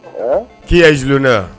K'i ye zinen wa